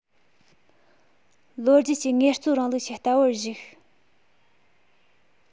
ལོ རྒྱུས ཀྱི དངོས གཙོའི རིང ལུགས ཀྱི ལྟ བར གཞིགས